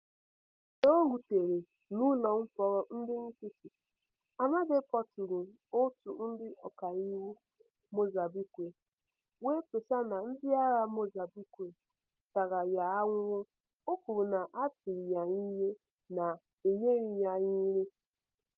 Mgbe ọ rutere n'ụlọ mkpọrọ ndị nkịtị, Amade kpọtụụrụ Òtù Ndị Ọkaiwu Mozambique wee kpesa na ndịagha Mozambique tara ya ahụhụ, o kwuru na ha tiri ya ihe na enyeghị ya nri.